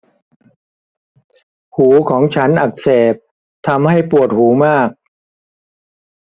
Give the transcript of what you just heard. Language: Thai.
หูของฉันอักเสบทำให้ปวดหูมาก